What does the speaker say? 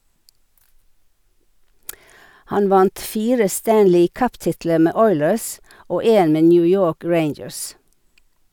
Han vant fire Stanley Cup-titler med Oilers, og en med New York Rangers.